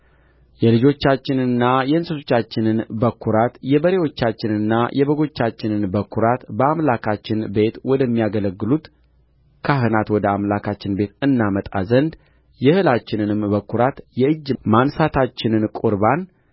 የልጆቻችንና የእንስሶቻችንን በኵራት የበሬዎቻችንንና የበጎቻችንን በኵራት በአምላካችን ቤት ወደሚያገለግሉት ካህናት ወደ አምላካችን ቤት እናመጣ ዘንድ የእህላችንንም በኵራት የእጅ ማንሣታችንን ቍርባን